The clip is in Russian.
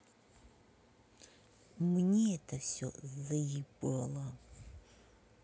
мне это все заебало